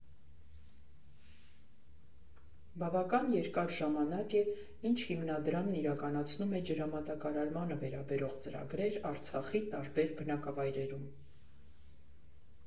Բավական երկար ժամանակ է, ինչ հիմնադրամն իրականացնում է ջրամատակարարմանը վերաբերող ծրագրեր Արցախի տարբեր բնակավայրերում։